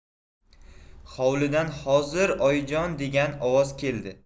hovlidan hozir oyijon degan ovoz keldi